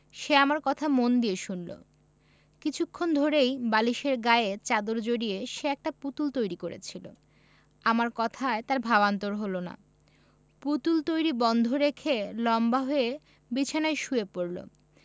সে আমার কথা মন দিয়ে শুনলো কিছুক্ষণ ধরেই বালিশের গায়ে চাদর জড়িয়ে সে একটা পুতুল তৈরি করছিলো আমার কথায় তার ভাবান্তর হলো না পুতুল তৈরী বন্ধ রেখে লম্বা হয়ে বিছানায় শুয়ে পড়লো